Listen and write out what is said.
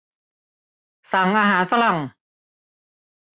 สั่งอาหารฝรั่ง